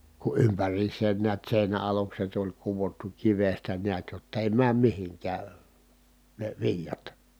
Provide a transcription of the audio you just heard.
kun ympäriinsä näet seinä alukset oli kudottu kivestä näet jotta ei mene mihinkään ne viljat